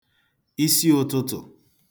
isi ụ̄tụ̄tụ̀